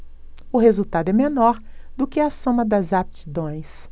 o resultado é menor do que a soma das aptidões